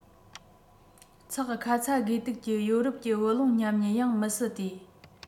ཚེག ཁ ཚ དགོས གཏུགས ཀྱི ཡོ རོབ ཀྱི བུ ལོན ཉམས ཉེན ཡང མི སྲིད དེ